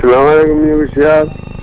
salaamaaleykum ñu ngi leen di ziar